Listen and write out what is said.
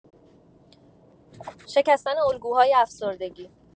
شکستن الگوهای افسردگی